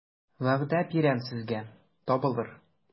Вәгъдә бирәм сезгә, табылыр...